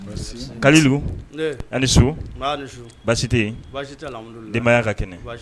Kalu ani ni so baasi tɛ yen denya ka kɛnɛ